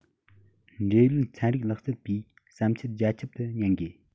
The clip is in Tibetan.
འབྲེལ ཡོད ཚན རིག ལག རྩལ པའི བསམ འཆར རྒྱ ཁྱབ ཏུ ཉན དགོས